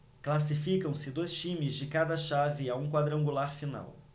classificam-se dois times de cada chave a um quadrangular final